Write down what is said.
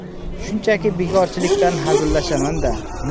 shunchaki bekorchilikdan hazillashamanda nima